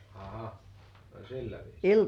aha sillä viisiin